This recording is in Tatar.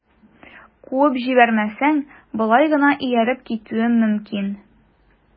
Куып җибәрмәсәң, болай гына ияреп китүем мөмкин...